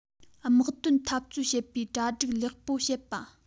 དམག དོན འཐབ རྩོད བྱེད པའི གྲ སྒྲིག ལེགས པོ བྱེད པ